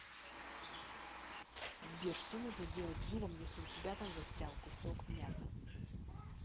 сбер что нужно делать зубом если у тебя там застрял кусок мяса